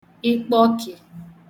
ịkpọkị